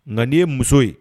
Nka n'i ye muso ye